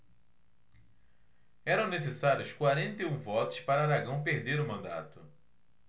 eram necessários quarenta e um votos para aragão perder o mandato